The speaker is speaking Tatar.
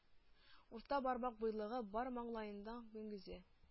Урта бармак буйлыгы бар маңлаенда мөгезе.